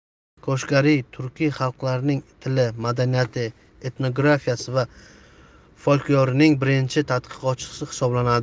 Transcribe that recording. koshg'ariy turkiy xalqlarning tili madaniyati etnografiyasi va folklorining birinchi tadqiqotchisi hisoblanadi